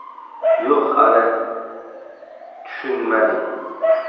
yo'q hali tushunmading